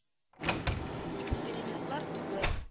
Экспериментлар түгел